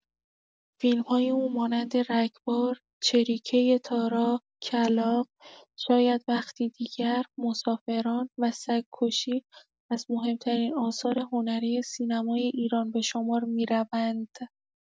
فیلم‌های او مانند رگبار، چریکه تارا، کلاغ، شاید وقتی دیگر، مسافران و سگ‌کشی از مهم‌ترین آثار هنری سینمای ایران به شمار می‌روند.